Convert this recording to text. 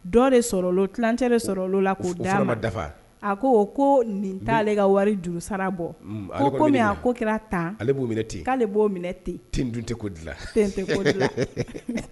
Dɔw de ticɛ la dafa a ko ko nin taa ka wari dunsara bɔ a ko kɛra tan ale b' minɛ ten'ale b'o minɛte dilan